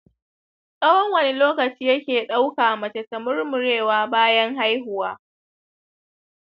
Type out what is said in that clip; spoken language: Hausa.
tsawon wani lokaci yake ɗauka mace ta murmurewa bayan haihuwa